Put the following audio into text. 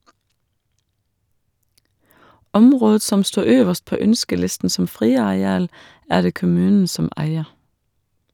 Området som sto øverst på ønskelisten som friareal, er det kommunen som eier.